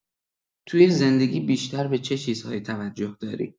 توی زندگی بیشتر به چه چیزهایی توجه داری؟